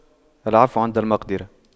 العفو عند المقدرة